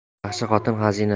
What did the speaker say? yaxshi xotin xazina